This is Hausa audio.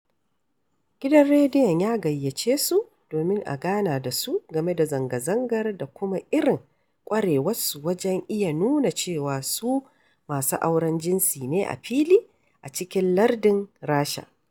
Gidan rediyon ya gayyace su domin a gana da su game da zanga-zangar da kuma irin ƙwarewarsu wajen iya nuna cewa su masu auren jinsi ne a fili a cikin lardin Rasha.